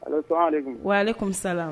Wa ale kɔnimisa la